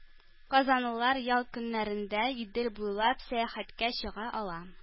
Казанлылар ял көннәрендә Идел буйлап сәяхәткә чыга ала.